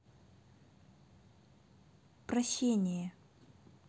прощение